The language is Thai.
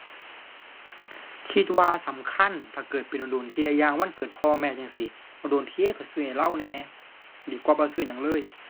คิดว่าสำคัญถ้าเกิดเป็นโดนโดนเที่ย อย่างวันเกิดพ่อแม่จั่งซี้ โดนโดนเที่ยก็ซื้อให้เลาแหน่ ดีกว่าบ่ซื้อหยังเลย